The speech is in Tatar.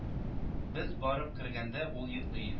Без барып кергәндә ул йоклый иде